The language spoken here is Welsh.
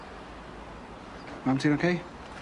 Mam ti'n ocay?